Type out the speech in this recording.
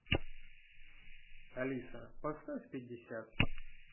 алиса поставь пятьдесят